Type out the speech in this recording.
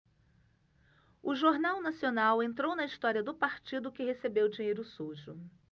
o jornal nacional entrou na história do partido que recebeu dinheiro sujo